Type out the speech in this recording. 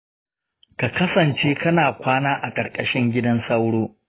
ka kasance kana kwana a ƙarƙashin gidan sauro